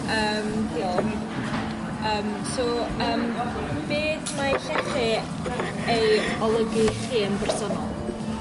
Yym diolch. Yym so yym beth mae llechi eu olygu i chi yn bersonol?